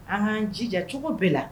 An kaan jijacogo bɛɛ la